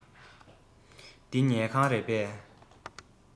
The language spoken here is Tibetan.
འདི ཉལ ཁང རེད པས